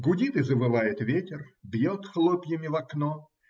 Гудит и завывает ветер, бьет хлопьями в окно.